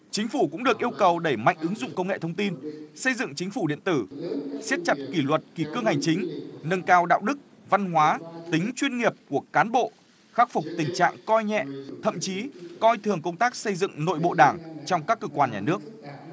chính phủ cũng được yêu cầu đẩy mạnh ứng dụng công nghệ thông tin xây dựng chính phủ điện tử siết chặt kỷ luật kỷ cương hành chính nâng cao đạo đức văn hóa tính chuyên nghiệp của cán bộ khắc phục tình trạng coi nhẹ thậm chí coi thường công tác xây dựng nội bộ đảng trong các cơ quan nhà nước